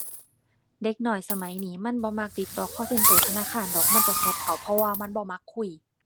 เด็กน้อยสมัยนี้มันบ่มักติดต่อ call center ธนาคารดอก มันจะแชตเอาเพราะว่ามันบ่มักคุย